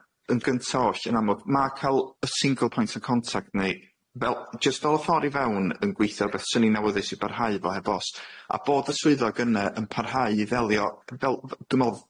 Yn gynta oll, yn amlwg ma' ca'l y single point o' contact, neu fel- jyst fel y ffor i fewn yn gweithio a'n rwbeth swn i'n awyddus i barhau fo heb os, a bod y swyddog yne yn parhau i ddelio fel f- dwi me'wl